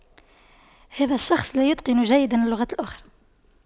هذا الشخص لا يتقن جيدا اللغات الأخرى